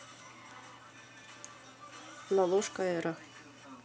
лололошка эра